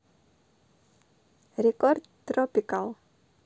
рекорд tropical